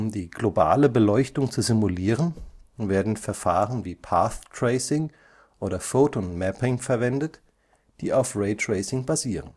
die globale Beleuchtung zu simulieren, werden Verfahren wie Path Tracing oder Photon Mapping verwendet, die auf Raytracing basieren